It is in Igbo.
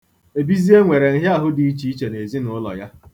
Ebizie nwere nhịaahụ dị iche iche n'ezinụlọ ya